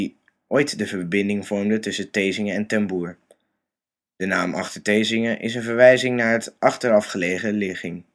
de verbinding vormde tussen Thesinge en Ten Boer. De naam Achter-Thesinge is een verwijzing naar de achterafgelegen ligging